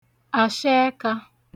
àshẹẹkā